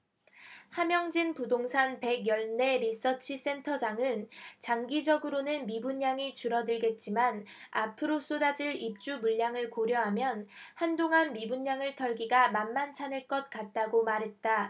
함영진 부동산 백 열 네 리서치센터장은 장기적으로는 미분양이 줄어들겠지만 앞으로 쏟아질 입주물량을 고려하면 한동안 미분양을 털기가 만만찮을 것 같다고 말했다